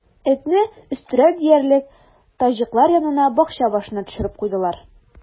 Этне, өстерәп диярлек, таҗиклар янына, бакча башына төшереп куйдылар.